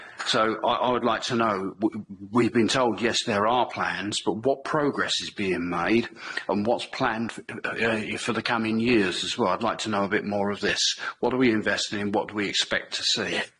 So I- I would like to know we- we've been told yes there are plans but what progress is being made and what's planned for the coming years as well? I'd like to know a bit more of this what are we investing in what do we expect to see?